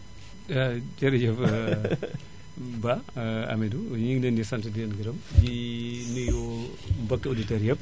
jërëjëf Ba Amidou ñu ngi leen i sant di leen gërëm di nuyu mbokki auditeurs yépp